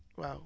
waaw